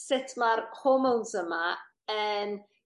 sut ma'r hormones yma yn